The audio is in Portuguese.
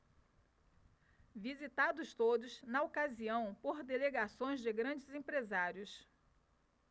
visitados todos na ocasião por delegações de grandes empresários